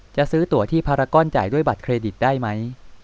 จะซื้อตั๋วที่พารากอนจ่ายด้วยบัตรเครดิตได้ม้้ย